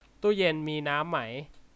ตู้เย็นมีน้ำไหม